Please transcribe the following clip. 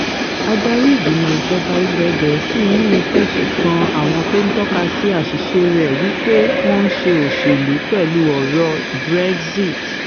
Adarí Ìgbìmọ̀ Ìjọba ilẹ̀ Gẹ̀ẹ́sì May ńfẹ̀sùn kan àwọn tó ńtọ́kasí àṣiṣe rẹ̀ wí pé wọ́n 'ńṣe òṣèlú' pẹlúi ọ̀rọ̀ Brexit